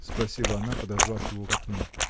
— спросила она, подозвав его к окну.